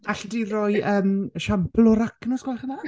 Allet ti roi yym esiampl o'r acen os gwelwch yn dda?